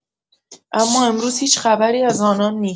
اما امروز هیچ خبری از آنان نیست.